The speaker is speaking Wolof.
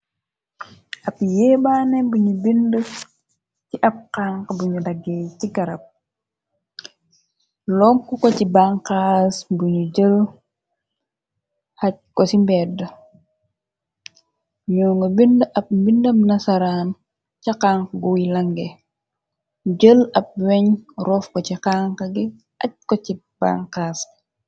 Ab yéebaane buñu bind ci ab xanx buñu daggee ci garab lonk ko ci banxaas buñu jël xaj ko ci mbedd ñoo ngo bind ab mbindam na saraan ca xanx guy lange jël ab weñ rofko ci xanx gi aj ko ci banxaas bi.